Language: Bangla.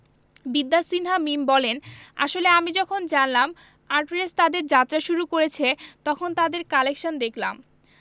বিদ্যা সিনহা মিম বলেন আসলে আমি যখন জানলাম আর্টরেস তাদের যাত্রা শুরু করেছে তখন তাদের কালেকশান দেখলাম